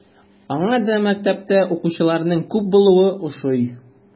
Аңа да мәктәптә укучыларның күп булуы ошый.